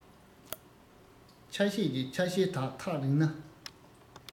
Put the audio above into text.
ཆ ཤས ཀྱི ཆ ཤས དག ཐག རིང ན